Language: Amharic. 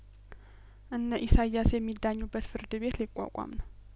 እነ ኢሳያስ የሚዳኙ በት ፍርድ ቤት ሊቋቋም ነው